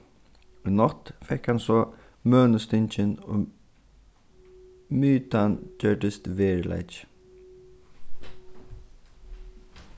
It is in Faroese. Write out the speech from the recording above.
í nátt fekk hann so mønustingin mytan gjørdist veruleiki